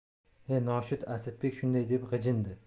he noshud asadbek shunday deb g'ijindi